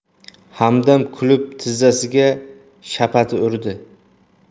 hamdam kulib tizzasiga shapati urdi